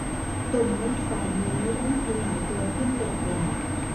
ตุ่มเม็ดไฝนี้เริ่มขยายตัวขึ้นแปลกแปลก